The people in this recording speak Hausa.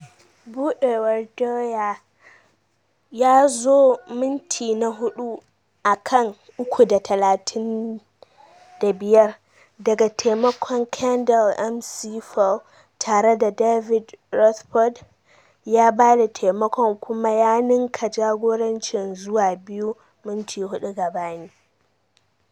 Buɗewar Dwyer ya zo minti na hudu a kan 3:35 daga taimakon Kendall McFaull, tare da David Rutherford ya ba da taimakon kuma Beauvillier ninka jagorancin zuwa biyu minti hudu gabani.